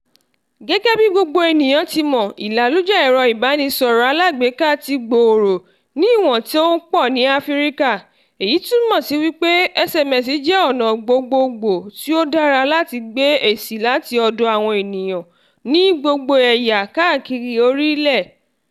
Gẹ́gẹ́ bí gbogbo ènìyàn ti mọ̀, ìlàlújá ẹ̀rọ Ìbánisọrọ̀ alágbèéká ti gbòòrò ni ìwọ̀n tí ó pọ̀ ní Áfríkà, èyí túmọ̀ sí wí pé SMS jẹ́ ọ̀nà gbogbogbò tí ó dára láti gba èsì láti ọ̀dọ̀ àwọn ènìyàn ní gbogbo ẹ̀yà káàkiri orílẹ̀ èdè.